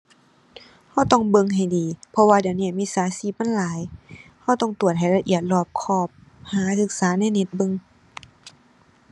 เราต้องเบิ่งให้ดี เพราะว่าเดี๋ยวนี้มิจฉาชีพมันหลาย เราต้องตรวจให้ละเอียดรอบครอบ หาศึกษาในเน็ตเบิ่ง